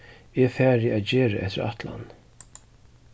eg fari at gera eftir ætlan